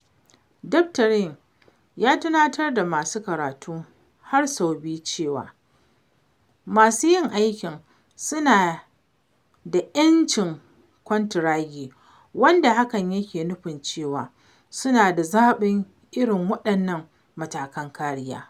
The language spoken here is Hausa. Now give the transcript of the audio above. Daftarin ya tunatar da masu karatu har sau biyu cewa, masu yin aikin suna da '''Yancin kwantiragi'', wanda hakan yake nufin cewa, suna da zaɓin irin waɗannan matakan kariyar.